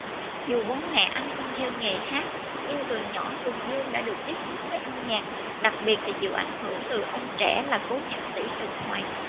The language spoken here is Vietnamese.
dù bố mẹ anh không theo nghề hát nhưng từ nhỏ tùng dương đã được tiếp xúc với âm nhạc đặc biệt chịu ảnh hưởng từ ông trẻ là cố nhạc sĩ trần hoàn